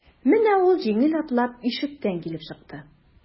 Менә ул җиңел атлап ишектән килеп чыкты.